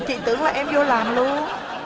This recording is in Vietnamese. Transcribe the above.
chị tưởng là em vô làm luôn